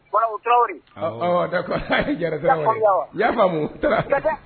Faamumu